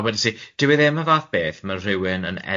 A wedes i dyw e ddim y fath beth ma' rywun yn